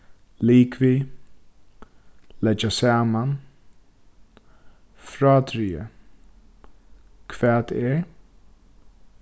ligvið leggja saman frádrigið hvat er